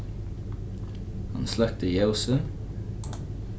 hann sløkti ljósið